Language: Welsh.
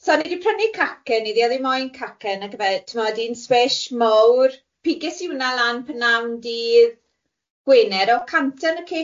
So o'n i di prynu cacen iddi o'dd hi moyn cacen nagyfe t'mod un swish mowr, piges i wnna lan pan nawn dydd Gwener o cant yn y cake box.